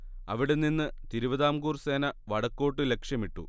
അവിടെ നിന്ന് തിരുവിതാംകൂർ സേന വടക്കോട്ട് ലക്ഷ്യമിട്ടു